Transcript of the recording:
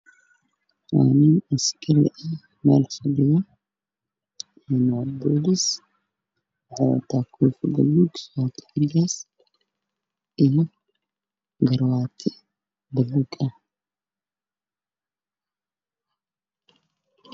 Meshaan waxaa ka muuqdo niman ninka ugu soo horreeyo waa nin taliye ah oo booliska koofidluga iyo racdeysa waxaa ka dambeeyo niman kale